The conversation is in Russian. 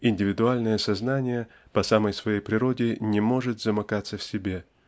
индивидуальное сознание по самой своей природе не может замыкаться в себе